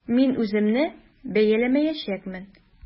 Мин үземне бәяләмәячәкмен.